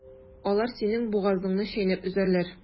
Алар синең бугазыңны чәйнәп өзәрләр.